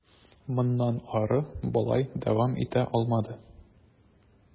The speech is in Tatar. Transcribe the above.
Моннан ары болай дәвам итә алмады.